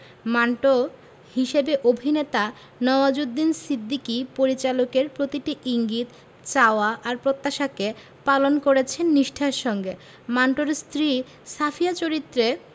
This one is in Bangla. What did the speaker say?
মান্টো হিসেবে অভিনেতা নওয়াজুদ্দিন সিদ্দিকী পরিচালকের প্রতিটি ইঙ্গিত চাওয়া আর প্রত্যাশাকে পালন করেছেন নিষ্ঠার সঙ্গে মান্টোর স্ত্রী সাফিয়া চরিত্রে